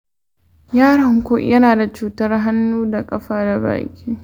yaronku yana da cutar hannu, ƙafa, da baki.